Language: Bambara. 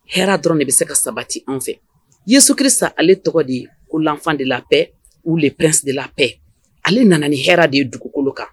Hɛra dɔrɔn de bi se ka sabati an fɛ. Yesu kirisa, ale tɔgɔ de ye ko l'Enfant de la paix ou le prince de la paix . Ale nana ni hɛra de ye dugukolo kan.